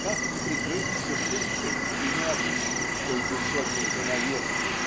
как не прикрыться шуткой и не опустить той душевной занавески